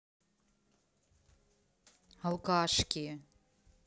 алкашки